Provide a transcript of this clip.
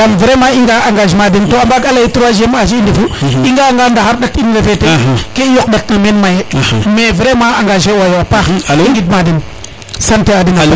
yaam vraiment i nga a engagement ma den to a mbaag a leye 3iem age i ndefu i nga anga ndaxar ndat in refe ten ke i yoq ndat na men maye mais vraiment a engager wayo a paax i ngid ma den sante a den a paax